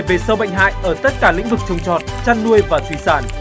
đề xâu bệnh hại ở tất cả các lĩnh vực chồng chọt chắn nuôi và thủy xản